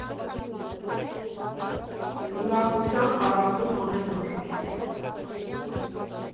Ուրախության առաքում ամեն օր։